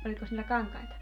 olikos niillä kankaita